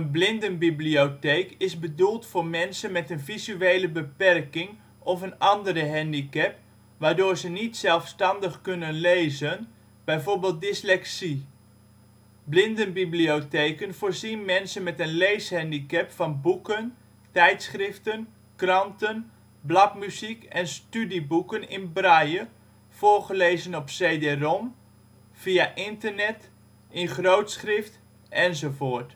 blindenbibliotheek is bedoeld voor mensen met een visuele beperking of een andere handicap waardoor ze niet zelfstandig kunnen lezen (bijvoorbeeld dyslexie). Blindenbibliotheken voorzien mensen met een leeshandicap van boeken, tijdschriften, kranten, bladmuziek en studieboeken in braille, voorgelezen op CD-ROM (In Daisy-ROM-formaat), via internet, in grootschrift enz